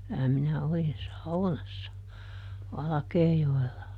kyllä minä olin saunassa Valkeajoella